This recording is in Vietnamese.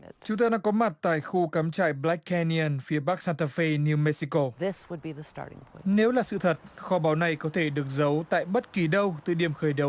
chúng ta đang có mặt tại khu cắm trại bờ lách ke ni ần phía bắc san ta phi niu mê xi cô nếu là sự thật kho báu này có thể được giấu tại bất kỳ đâu từ điểm khởi đầu